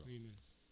8000